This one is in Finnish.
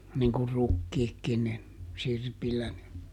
niin kuin rukiitkin niin sirpillä ne